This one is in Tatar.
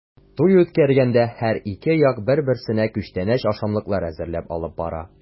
Туй үткәргәндә һәр ике як бер-берсенә күчтәнәч-ашамлыклар әзерләп алып бара.